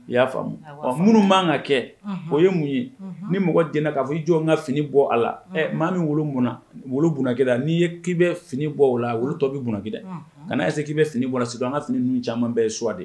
I y'a faamumu minnu b'an ka kɛ o ye mun ye ni mɔgɔ dna k'a fɔ i jɔn ka fini bɔ a la maa min wolo munnana wolo bkila n'i ye k'i bɛ fini bɔ o la wolo tɔ bɛ bki kana a se'i bɛ fini bɔ la su an ka fini caman bɛɛ ye suwa de